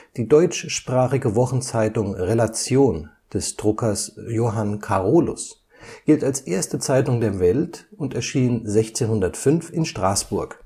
Die deutschsprachige Wochenzeitung Relation des Druckers Johann Carolus gilt als erste Zeitung der Welt und erschien 1605 in Straßburg